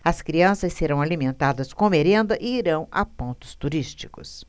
as crianças serão alimentadas com merenda e irão a pontos turísticos